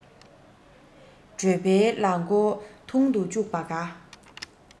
གྲོད པའི ལག མགོ ཐུང དུ བཅུག པ དགའ